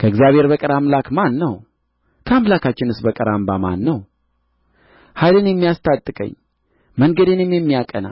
ከእግዚአብሔር በቀር አምላክ ማን ነው ከአምላካችንስ በቀር አምባ ማን ነው ኃይልን የሚያስታጥቀኝ መንገዴንም የሚያቃና